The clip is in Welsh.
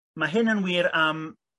Ma' hyn yn wir am